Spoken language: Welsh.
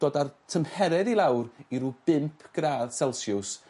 dod â'r tymheredd i lawr i rw bump gradd selsiws